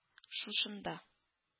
Шушында